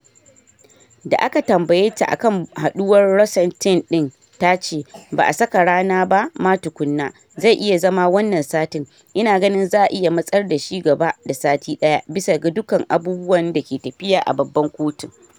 Da aka tambaye ta akan haduwar Rosenstein din, ta ce: “Ba’a saka rana ba ma tukunna, zai iya zama wannan satin, ina ganin za’a iya matsar da shi gaba da sati daya bisa ga dukkan abubuwan da ke tafiya a babban kotun.